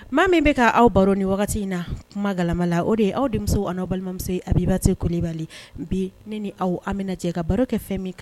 Maa min bɛ ka awaw baro ni wagati in na kuma galama la o de ye aw demi an' balimamuso a b'ba se ko bali bi ne ni aw aw bɛ ka baro kɛ fɛn min kan